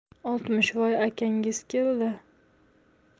oltmishvoy akangiz keldi